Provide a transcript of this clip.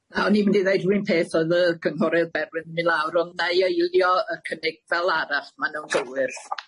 A o'n i'n mynd i ddeud run peth o'dd y cynghorydd Berwyn myn' i lawr ond, nai eilio a cynnig fel arall ma' nw'n gywir.